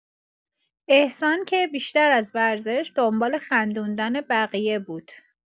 احسان که بیشتر از ورزش، دنبال خندوندن بقیه بود.